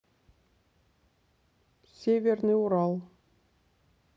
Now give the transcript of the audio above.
северный урал